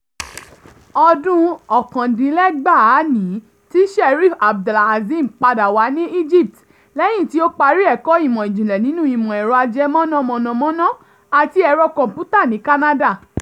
Ọdún 1999 ni tí Sherif Abdel-Azim padà wà ní Egypt lẹ́yìn tí ó parí ẹ̀kọ́ Ìmọ̀-ìjìnlẹ̀ nínú Ìmọ̀-ẹ̀rọ Ajẹmọ́ná mọ̀nàmọ́ná àti Ẹ̀rọ Kọ̀m̀pútà ní Canada.